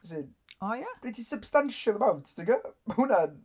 As in... O ia? ...Ma' gen ti substantial amount ti'n gwbod? Ma' hwnna'n...